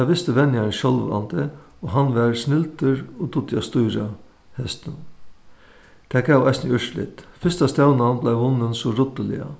tað visti venjarin og hann var snildur og dugdi at stýra hestunum tað gav eisini úrslit fyrsta stevnan bleiv vunnin so ruddiliga